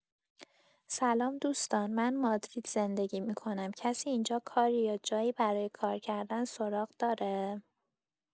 سلام دوستان من مادرید زندگی می‌کنم کسی اینجا کاری یا جایی برای کار کردن سراغ داره؟